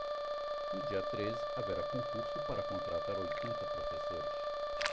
no dia treze haverá concurso para contratar oitenta professores